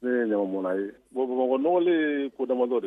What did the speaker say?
Ne ye ɲam ye bamakɔ n nɔgɔ ye ko dadɔ dɛ